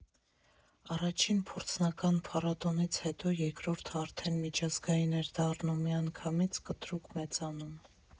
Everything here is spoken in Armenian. Առաջին փորձնական փառատոնից հետո երկրորդը արդեն միջազգային էր դառնում, միանգամից կտրուկ մեծանում։